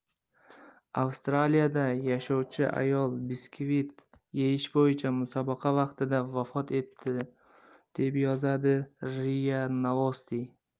avstraliyada yashovchi ayol biskvit yeyish bo'yicha musobaqa vaqtida vafot etdi deb yozadi ria novosti